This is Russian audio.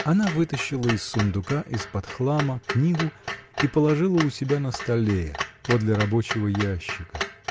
Она вытащила из сундука, из-под хлама, книгу и положила у себя на столе, подле рабочего ящика.